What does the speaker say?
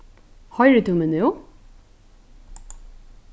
hoyrir tú meg nú